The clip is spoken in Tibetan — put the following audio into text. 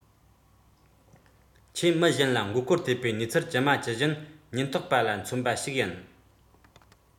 ཁྱེད མི གཞན ལ མགོ སྐོར ཐེབས པའི གནས ཚུལ ཇི མ ཇི བཞིན ཉེན རྟོག པ ལ མཚོན པ ཞིག ཡིན